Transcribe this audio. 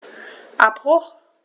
Abbruch.